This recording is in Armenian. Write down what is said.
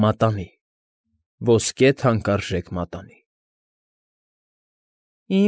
Մատանի՝ ոսկե թանկարժեք մատանի։ ֊